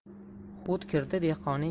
hut kirdi dehqonning